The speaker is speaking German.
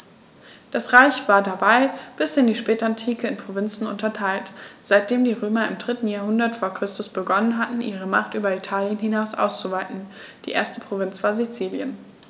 Das Reich war dabei bis in die Spätantike in Provinzen unterteilt, seitdem die Römer im 3. Jahrhundert vor Christus begonnen hatten, ihre Macht über Italien hinaus auszuweiten (die erste Provinz war Sizilien).